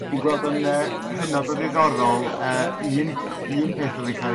Dwi gweld yn yrr hynod o ddiddorol yrr un un peth oedd yn ca'l